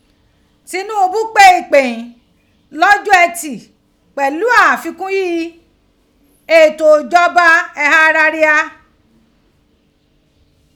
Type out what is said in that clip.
Tinubu pe ipe ghin lọjọ́ Eti pẹ̀lú àfikún ghi, ètò ìjọba ighara ria.